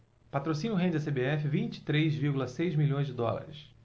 patrocínio rende à cbf vinte e três vírgula seis milhões de dólares